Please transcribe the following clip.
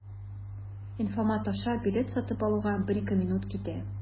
Инфомат аша билет сатып алуга 1-2 минут китә.